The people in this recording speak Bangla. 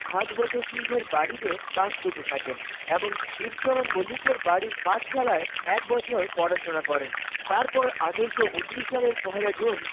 ভাগবত সিংহের বাড়িতে বাস করতে থাকেন এবং শিব চরণ মল্লিকের বাড়ির পাঠশালায় ১ বছর পড়াশোনা করেন তারপর ১৮২৯ সালের পহেলা জুন